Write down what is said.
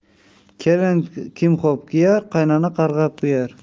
kelin kimxob kiyar qaynona qarg'ab kuyar